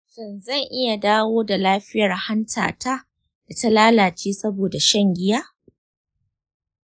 shin zan iya dawo da lafiyar hanta ta da ta lalace saboda shan giya?